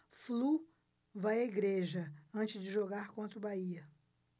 flu vai à igreja antes de jogar contra o bahia